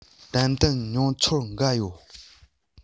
ཏན ཏན མྱོང ཚོར འགའ ཡོད